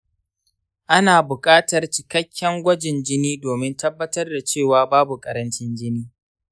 ana buƙatar cikakken gwajin jini domin tabbatar da cewa babu ƙarancin jini.